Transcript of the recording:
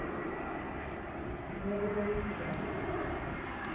благодарю тебя алиса